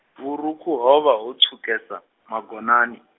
vhurukhu hovha ho tswukesa, magonani.